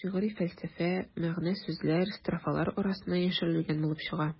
Шигъри фәлсәфә, мәгънә-сүзләр строфалар арасына яшерелгән булып чыга.